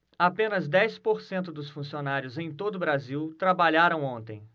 apenas dez por cento dos funcionários em todo brasil trabalharam ontem